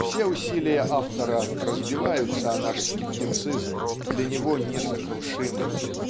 Все усилия автора разбиваются о наш скептицизм для него несокрушимый.